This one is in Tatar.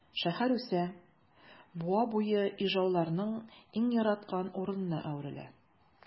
Шәһәр үсә, буа буе ижауларның иң яраткан урынына әверелә.